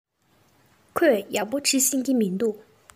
ཁོས ཡག པོ འབྲི ཤེས ཀྱི མིན འདུག